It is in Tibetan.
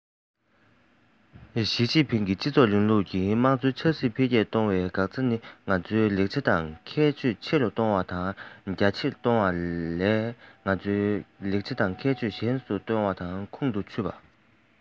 ཞིས ཅིན ཕིང གིས སྤྱི ཚོགས རིང ལུགས ཀྱི དམངས གཙོ ཆབ སྲིད འཕེལ རྒྱས གཏོང བའི འགག རྩ ནི ང ཚོའི ལེགས ཆ དང ཁྱད ཆོས ཆེ རུ གཏོང བ དང རྒྱ ཆེར གཏོང བ ལས ང ཚོའི ལེགས ཆ དང ཁྱད ཆོས ཞན དུ གཏོང བ དང ཆུང དུ གཏོང རྒྱུ དེ མིན